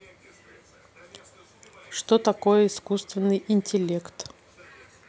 что такое искусственный интеллект